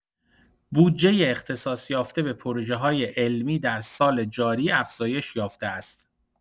بودجۀ اختصاص‌یافته به پروژه‌های علمی در سال جاری افزایش یافته است.